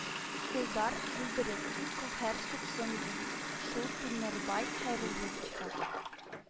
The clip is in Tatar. Илдар (бүлдереп): Каһәр суксын диң шул Тимербай Хәйрулловичка